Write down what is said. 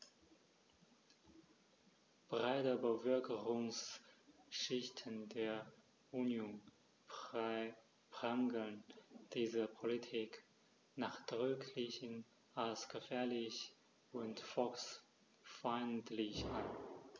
Breite Bevölkerungsschichten der Union prangern diese Politik nachdrücklich als gefährlich und volksfeindlich an.